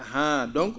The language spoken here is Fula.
ahan donc